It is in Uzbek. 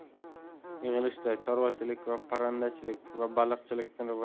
yig'ilishda chorvachilik parrandachilik va baliqchilikni